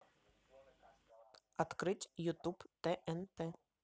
открыть ютуб тнт